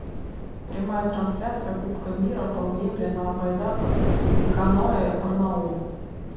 прямая трансляция кубка мира по гребле на байдарках и каноэ барнаул